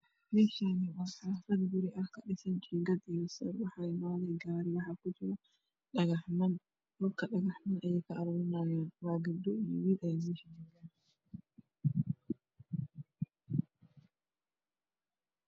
Meeshaan waa xaafad waxaa kadhisan jiingad iyo sar iyo gaari dhagax kujirto dhulkana dhagax ayay ka aruurinayaan waa gabdho iyo wiil ayaa meesha joogo.